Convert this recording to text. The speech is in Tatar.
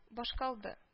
Башкалды